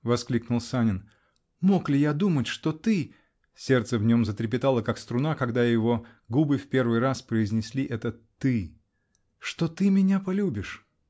-- воскликнул Санин, -- мог ли я думать, что ты (сердце в нем затрепетало, как струна, когда его губы в первый раз произнесли это "ты") -- что ты меня полюбишь!